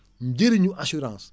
njëriñu assurance